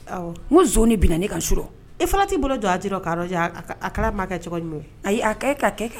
' bolo jɔ kɛ cogo ɲuman ayi ka kɛ